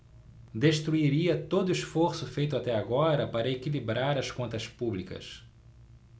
destruiria todo esforço feito até agora para equilibrar as contas públicas